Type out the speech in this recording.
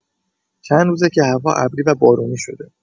چندروزه که هوا ابری و بارونی شده.